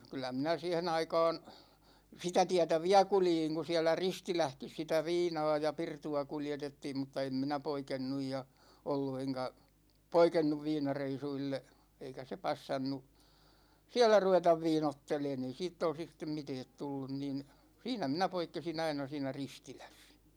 kyllä minä siihen aikaan sitä tietä vielä kuljin kun siellä Ristilässäkin sitä viinaa ja pirtua kuljetettiin mutta en minä poikennut ja ollut enkä poikennut viinareissuille eikä se passannut siellä ruveta viinoittelemaan ei siitä olisi sitten mitään tullut niin siinä minä poikkesin aina siinä Ristilässä